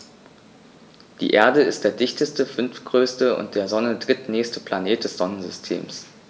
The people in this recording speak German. Die Erde ist der dichteste, fünftgrößte und der Sonne drittnächste Planet des Sonnensystems.